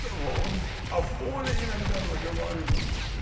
— Да вон о воле иногда заговаривают.